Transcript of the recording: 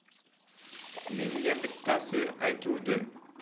menga bittasi aytuvdi